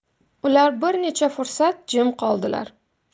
ular bir necha fursat jim qoldilar